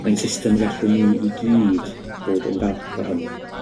Mae'n system y gallen ni i gyd bod yn falch ohoni